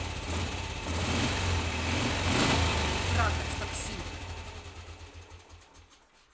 трахать в такси